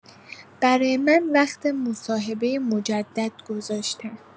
برای من وقت مصاحبه مجدد گذاشتن.